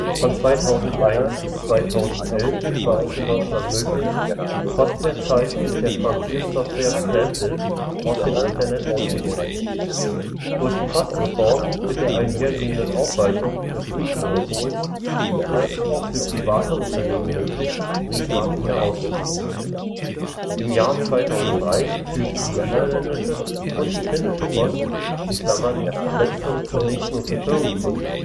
Von 2001 bis 2011 war es in Deutschland möglich, Postwertzeichen mit der Frankiersoftware Stampit aus dem Internet auszudrucken. Durch die Postreform mit der einhergehenden Aufweichung des Briefmonopols ist es auch für private Unternehmen möglich, Briefmarken herauszugeben. Im Jahre 2003 führten die niederländische und die finnische Post (letztere zunächst nur für Firmenkunden